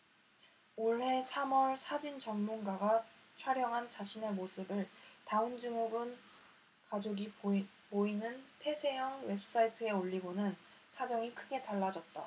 올해 삼 월 사진 전문가가 촬영한 자신의 모습을 다운증후군 가족이 모이는 폐쇄형 웹사이트에 올리고는 사정이 크게 달라졌다